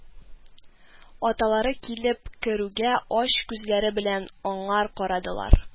Аталары килеп керүгә ач күзләре белән аңар карадылар